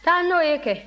taa n'o ye kɛ